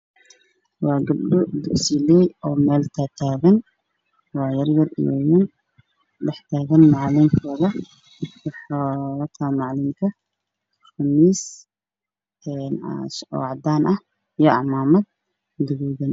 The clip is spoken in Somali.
Waa dugsi qur-aan lagu baranaayo waxaa jooga gabdho iyo wiilal waxa ay wataan abaayado gabdhaha wiilasha macalin ayaa taagan oo cimaamada wata